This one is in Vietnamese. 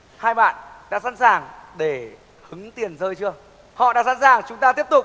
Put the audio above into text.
hai bạn đã sẵn sàng để hứng tiền rơi chưa họ đã sẵn sàng chúng ta tiếp tục